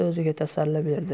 o'ziga tasalli berdi